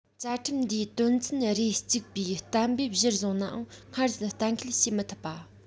བཅའ ཁྲིམས འདིའི དོན ཚན རེ གཅིག པའི གཏན འབེབས གཞིར བཟུང ནའང སྔར བཞིན གཏན འཁེལ བྱེད མི ཐུབ པ